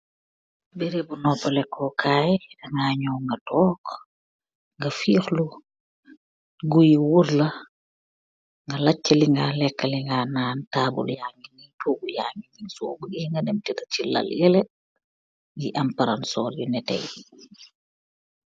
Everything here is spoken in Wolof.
Behreub bu nopaleh kor kai, dangai njow nga tokk, nga fikhlu, guiiy wohrr la, nga lagteh linga leka, linga nan, taabul yangy nii, togu yangy nii, sor bugeh nga dem teda chi lal yehleh, yi am palansorr yu neteh yii.